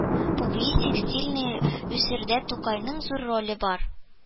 Публицистик стильне үстерүдә Тукайның зур роле бар